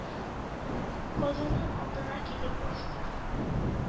Казыйның алдына килеп басты.